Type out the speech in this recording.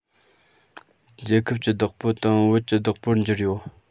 རྒྱལ ཁབ ཀྱི བདག པོ དང བོད ཀྱི བདག པོར གྱུར ཡོད